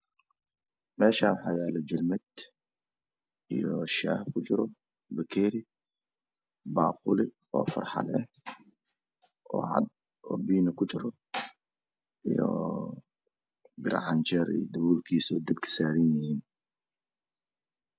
Meeshaan waxa yaalo jalmad iyo shaah kujiro bakeeri baaquli oo farxal ah oo cad oo biyana kujira iyo bircanjeela iyo daboolkiisa dabka saaranyihiin